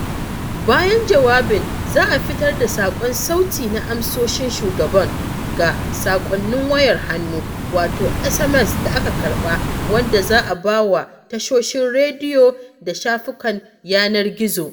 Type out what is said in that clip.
Bayan jawabin, za a fitar da saƙon sauti na amsoshin Shugaban ga sakonnin wayar hannu, wato SMS, da aka karɓa, wanda za a ba wa tashoshin rediyo da shafukan yanar gizo.